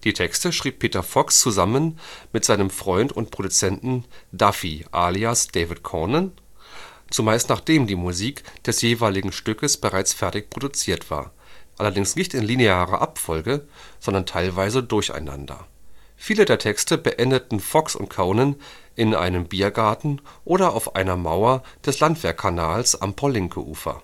Texte schrieb Peter Fox zusammen mit seinem Freund und Produzent Daffy alias David Conen zumeist nachdem die Musik des jeweiligen Stückes bereits fertig produziert war, allerdings nicht in linearer Abfolge, sondern teilweise durcheinander. Viele der Texte beendeten Fox und Conen in einem Biergarten oder auf einer Mauer des Landwehrkanals am Paul-Lincke-Ufer